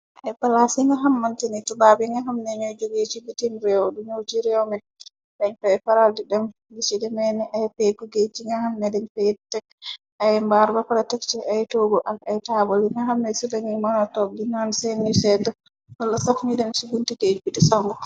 Ay palaas yi nga xam mante nitubaa yi nga xam nañoy jogee ci bitim réew duñuo ci réewme lañ fay paral di dem di ci demee ni ay pey kugéey ci nga xam ne dañ fayyetekk ay mbaar ba para tek ci ay toogu ak ay taabal yi nga xamne si lañu monotop ginaan seel ñu seedd fola sax mi dem ci buntigéej biti sanbu.